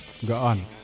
ga'ano